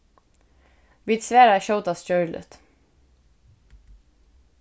vit svara skjótast gjørligt